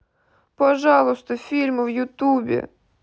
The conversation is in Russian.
пожалуйста фильмы в ютубе